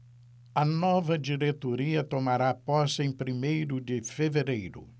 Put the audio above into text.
a nova diretoria tomará posse em primeiro de fevereiro